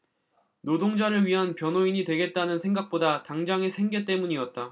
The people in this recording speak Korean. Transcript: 노동자를 위한 변호인이 되겠다는 생각보다 당장의 생계 때문이었다